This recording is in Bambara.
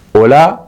O la